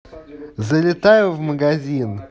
залетаю в магазин